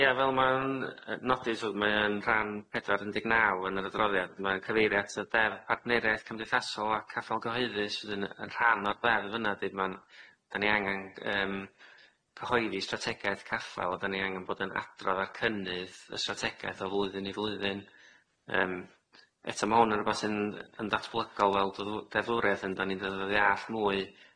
Ia fel ma'n yy nodi t'od mae yn rhan pedwar un deg naw yn yr adroddiad ma'n cyfierio at y deddf partneriaeth cymdeithasol a caffal gyhoeddus sydd yn yn rhan o'r ddeddf yna ma'n 'da ni angan yym cyhoeddi strategaeth caffal a 'da ni angan bod yn adrodd ar cynnydd y strategaeth o flwyddyn i flwyddyn yym eto ma' hwn yn rwbath sy'n yn datblygol fel deddfw- ddeddfwriaeth ond 'dan i'n dod i ddalld mwy